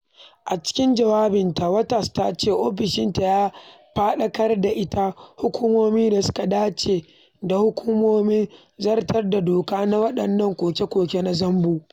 A cikin jawabinta, Waters ta ce ofishinta ya faɗakar da ita "hukumomi da suka dace da hukumomin zartar da doka na waɗannan koke-koke na zambo.